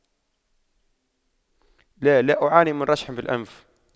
لا لا أعاني من رشح بالأنف